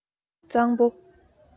གཙང པོ